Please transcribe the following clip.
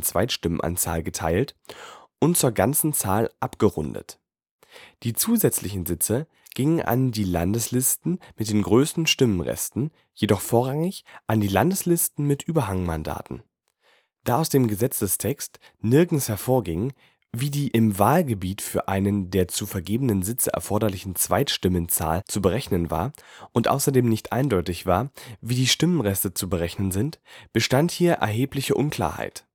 Zweitstimmenzahl “geteilt und zur ganzen Zahl abgerundet. Die zusätzlichen Sitze gingen an die Landeslisten mit den größten Stimmresten, jedoch vorrangig an die Landeslisten mit Überhangmandaten. Da aus dem Gesetzestext nirgends hervorging, wie die „ im Wahlgebiet für einen der zu vergebenden Sitze erforderliche Zweitstimmenzahl “zu berechnen war und außerdem nicht eindeutig war, wie die Stimmenreste zu berechnen sind, bestand hier erhebliche Unklarheit